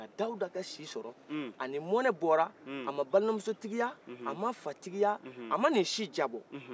nka dawuda ka si sɔrɔ a ni mɔnɛ bɔrɔ a ma balimamuso tigiya a ma fatigiya a ma nin si jabɔ